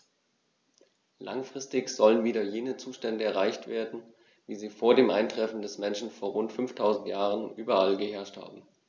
Langfristig sollen wieder jene Zustände erreicht werden, wie sie vor dem Eintreffen des Menschen vor rund 5000 Jahren überall geherrscht haben.